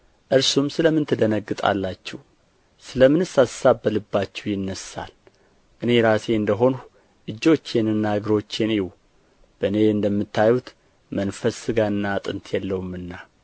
እርሱም ስለ ምን ትደነግጣላችሁ ስለ ምንስ አሳብ በልባችሁ ይነሣል እኔ ራሴ እንደ ሆንሁ እጆቼንና እግሮቼን እዩ በእኔ እንደምታዩት መንፈስ ሥጋና አጥንት የለውምና